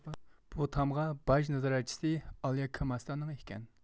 بۇ تامغا باج نازارەتچىسى ئالياكېمماسانىڭ ئىكەن